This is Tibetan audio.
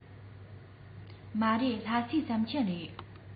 མ རེད ལྷ སའི ཟམ ཆེན རེད